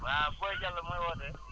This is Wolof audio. waaw Boy Diallo mooy woote